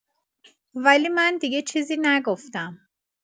ولی من دیگه چیزی نگفتم.